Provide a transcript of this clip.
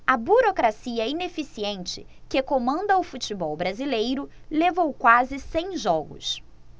a burocracia ineficiente que comanda o futebol brasileiro levou quase cem jogos